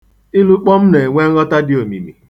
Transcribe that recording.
Ilukpọm na-enwe nghọta dị omimi.